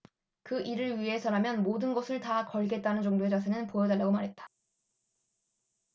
그 일을 위해서라면 모든 것을 다 걸겠다는 정도의 자세는 보여달라고 말했다